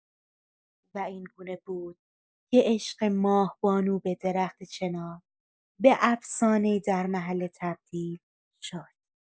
و این گونه بود که عشق ماه‌بانو به درخت چنار، به افسانه‌ای در محله تبدیل شد.